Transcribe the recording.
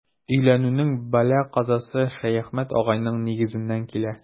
Өйләнүнең бәла-казасы Шәяхмәт агайның нигезеннән килә.